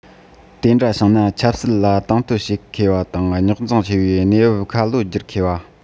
དེ འདྲ བྱུང ན ཆབ སྲིད ལ དང དོད བྱེད མཁས པ དང རྙོག འཛིང ཆེ བའི གནས བབ ཁ ལོ སྒྱུར མཁས པ